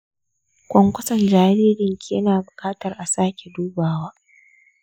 kwankwason jaririnki yana bukatan asake dubawa.